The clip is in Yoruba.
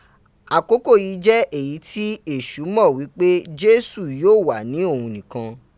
akoko yii je eyi ti esu mo wipe Jesu yoo wa ni oun nikan